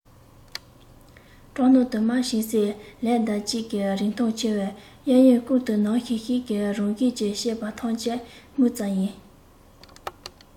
སྐྲག སྣང དུ མ བྱིན གསེར ལས ལྡབ གཅིག གིས རིན ཐང ཆེ བར གཡས གཡོན ཀུན ཏུ ནག ཤིག ཤིག གི རང བཞིན གྱི སྐྱེས པ ཐམས ཅད སྨན རྩྭ ཡིན